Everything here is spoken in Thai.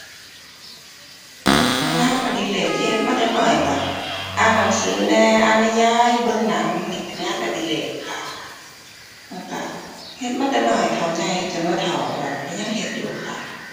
งานอดิเรกที่เฮ็ดมาแต่น้อยก็อ่านหนังสือแหน่ อ่านนิยาย เบิ่งหนัง เฮ็ดเป็นงานอดิเรกค่ะ แล้วก็ เฮ็ดมาแต่น้อยเท่าใหญ่ จนว่าเฒ่าแล้วก็ยังเฮ็ดอยู่ค่ะ